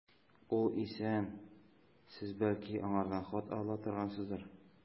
Ул исән, сез, бәлки, аңардан хат ала торгансыздыр.